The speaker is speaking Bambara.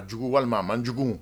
A jugu walima a man jugu